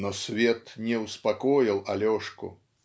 "Но свет не успокоил Алешку".